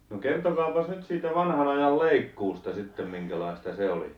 no kertokaapas nyt siitä vanhan ajan leikkuusta sitten minkälaista se oli